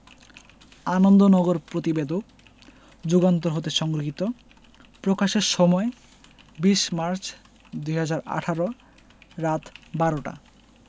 আনন্দনগর প্রতিবেদক যুগান্তর হতে সংগৃহীত প্রকাশের সময় ২০মার্চ ২০১৮ রাত ১২:০০ টা